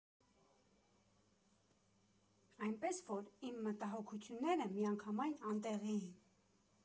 Այնպես որ՝ իմ մտահոգությունները միանգամայն անտեղի էին։